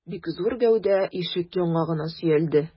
Бик зур гәүдә ишек яңагына сөялде.